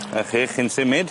'Na chi, chi'n symud.